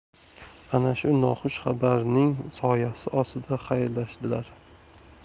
ana shu noxush xabarning soyasi ostida xayrlashdilar